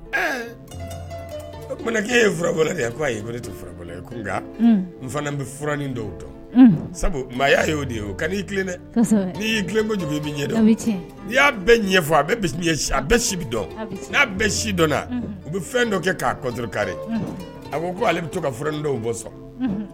O kuma' ye f fura de n fana bɛ furanin dɔw dɔn sabu maa'a ye'o de ye n'i tilen dɛ ni y'i tilen kojugu bɛ ɲɛdɔn n'i y'a bɛɛ ɲɛ ɲɛfɔ a bɛ ɲɛ a bɛ sibi dɔn n'a bɛɛ si dɔn u bɛ fɛn dɔ kɛ k'a kɔto kari a ko ko ale bɛ to ka findenw bɔ sɔrɔ